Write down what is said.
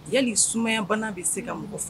Yali sumayabana bɛ se ka mɔgɔ faga?